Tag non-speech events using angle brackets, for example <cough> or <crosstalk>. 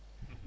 <hesitation> <hesitation>